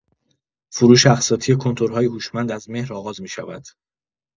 فروش اقساطی کنتورهای هوشمند از مهر آغاز می‌شود.